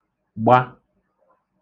gba